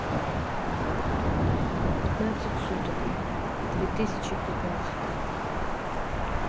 пятнадцать суток две тысячи пятнадцатый